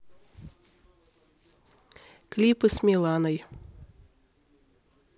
клипы с миланой